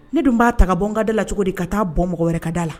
Ne dun b'a ta ka bɔkarida la cogo di ka taa bɔn mɔgɔ wɛrɛ ka da la